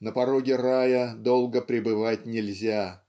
На пороге рая долго пребывать нельзя